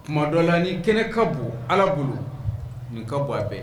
Kuma dɔ la nin kelen ka bon Ala bolo nin ka bon n’a bɛɛ ye.